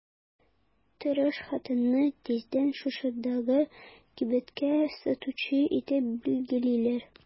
Тырыш хатынны тиздән шушындагы кибеткә сатучы итеп билгелиләр.